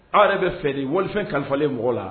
Aw yɛrɛ be fɛ de wɔlifɛn kalifalen mɔgɔ la